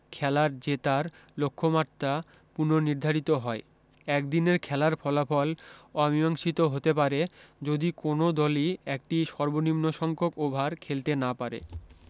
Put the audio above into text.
খেলার জেতার লক্ষ্যমাত্রা পুননির্ধারিত হয় একদিনের খেলার ফলাফল অমীমাংসিত হতে পারে যদি কোন দলি একটি সর্বনিম্ন সংখ্যক ওভার খেলতে না পারে